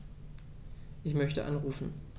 Ich möchte anrufen.